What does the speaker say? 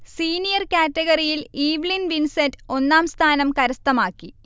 senior കാറ്റഗറിയിൽ Evelyn Vincent ഒന്നാം സ്ഥാനം കരസ്ഥമാക്കി